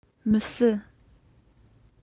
མི སྲིད